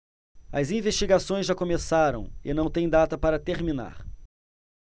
as investigações já começaram e não têm data para terminar